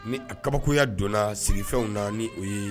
Ni kabakoya donna sigifɛnw na ni o ye